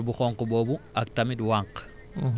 gunóor bu xonk ak tamit wànq